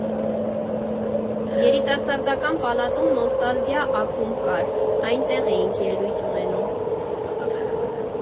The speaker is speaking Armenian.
Երիտասարդական պալատում «Նոստալգիա» ակումբ կար, այնտեղ էինք ելույթ ունենում։